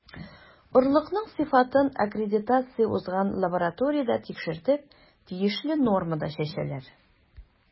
Орлыкның сыйфатын аккредитация узган лабораториядә тикшертеп, тиешле нормада чәчәләр.